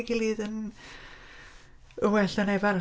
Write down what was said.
Ei gilydd yn well na neb arall.